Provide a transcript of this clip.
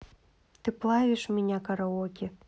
ты плавишь меня караоке